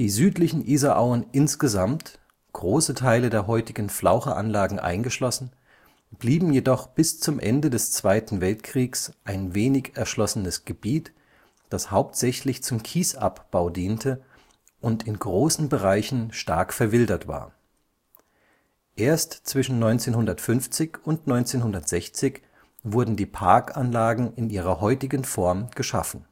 südlichen Isarauen insgesamt, große Teile der heutigen Flaucheranlagen eingeschlossen, blieben jedoch bis zum Ende des Zweiten Weltkriegs ein wenig erschlossenes Gebiet, das hauptsächlich zum Kiesabbau diente und in großen Bereichen stark verwildert war. Erst zwischen 1950 und 1960 wurden die Parkanlagen in ihrer heutigen Form geschaffen